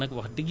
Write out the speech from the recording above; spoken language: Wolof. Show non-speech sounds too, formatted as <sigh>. <hesitation> <hesitation>